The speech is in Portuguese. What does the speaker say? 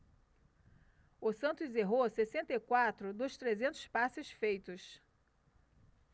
o santos errou sessenta e quatro dos trezentos passes feitos